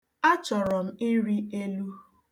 A chọrọ m ịrị elu.